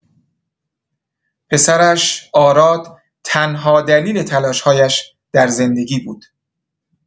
پسرش، آراد، تنها دلیل تلاش‌هایش در زندگی بود.